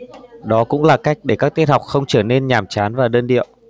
đó cũng là cách để các tiết học không trở nên nhàm chán và đơn điệu